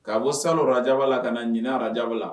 Ka bɔ sara jaba la ka na ɲin ara jaba la